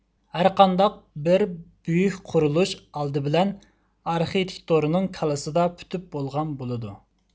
ھەرقانداق بىر بۈيۈك قۇرۇلۇش ئالدى بىلەن ئارخېتىكتورنىڭ كاللىسىدا پۈتۈپ بولغان بولىدۇ